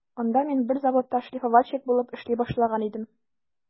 Анда мин бер заводта шлифовальщик булып эшли башлаган идем.